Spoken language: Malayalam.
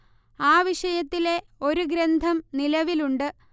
ആ വിഷയത്തിലെ ഒരു ഗ്രന്ഥം നിലവിലുണ്ട്